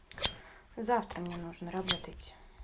завтра мне нужен работайте